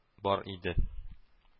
Бар иде